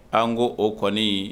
An ko o kɔni